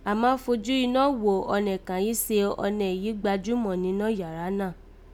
Àmá, fojú inọ́ wò ọnẹ kàn yìí se ọnẹ yìí gbajúmà ninọ́ yàrá náà